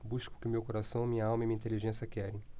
busco o que meu coração minha alma e minha inteligência querem